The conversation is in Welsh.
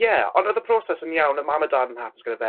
ie, ond odd y proses yn iawn. Odd mam a dad yn hapus gyda fe.